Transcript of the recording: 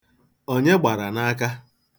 Onye gbara n'aka?